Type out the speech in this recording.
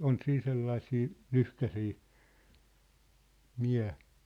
on siinä sellaisia lyhkäisiä mie